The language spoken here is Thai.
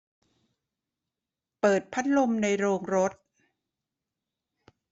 เปิดพัดลมในโรงรถ